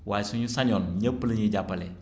waaye su ñu sañoon ñépp la ñuy jàppale